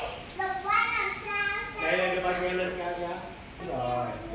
ba kêu linh cho